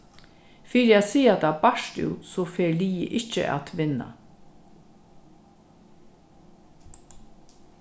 fyri at siga tað bart út so fer liðið ikki at vinna